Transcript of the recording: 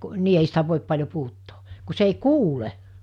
niin ei sitä voi paljon puhuttaa kun se ei kuule